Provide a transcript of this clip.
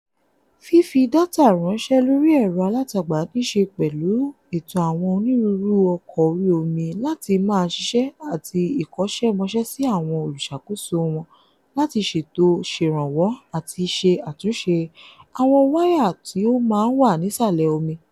Fífi dátà ránṣẹ́ lóri ẹ̀rọ alátagbà níi ṣe pẹ̀lú ẹ̀tọ́ àwọn onírúurú ọkọ̀ orí omí láti máa ṣiṣẹ́ àti ìkọ̀ṣẹ́-mọṣẹ́sí àwọn olùṣàkóso wọn láti ṣètò, ṣèrànwó àtí ṣe àtúnṣe àwọn wáyà tì ó máa ń wà nísàlẹ̀ omi.